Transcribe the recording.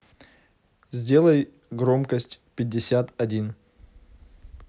сделай громкость пятьдесят один